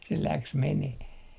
se lähti menemään